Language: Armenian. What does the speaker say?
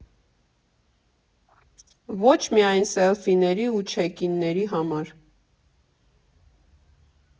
Ոչ միայն սելֆիների ու չեքինների համար։